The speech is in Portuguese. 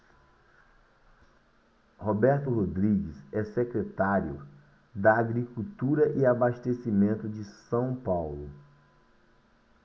roberto rodrigues é secretário da agricultura e abastecimento de são paulo